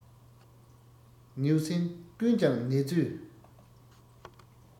ནེའུ གསིང ཀུན ཀྱང ནེ ཙོའི